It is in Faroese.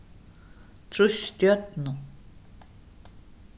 trýst stjørnu